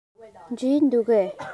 འབྲས འདུག གས